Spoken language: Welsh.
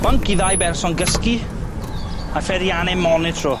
Bunk i ddau berson gysgu a pherianne monitro.